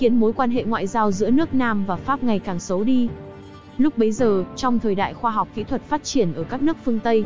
khiến mối quan hệ ngoại giao giữa nước nam và pháp ngày càng xấu đi lúc bấy giờ trong thời đại khoa học kỹ thuật phát triển ở các nước phương tây